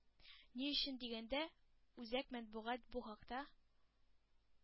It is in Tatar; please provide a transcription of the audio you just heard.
Ни өчен дигәндә, үзәк матбугат бу хакта